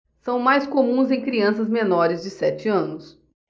são mais comuns em crianças menores de sete anos